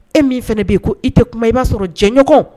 E min fana b'i ko i tɛ kuma i b'a sɔrɔ jɛɲɔgɔn